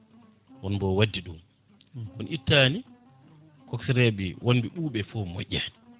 wonɓe o waddi ɗum kono ittani coxeur eɓe wonɓe ɓuuɓe foo moƴƴani